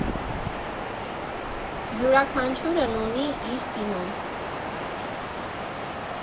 Յուրաքանչյուրն ունի իր կինոն։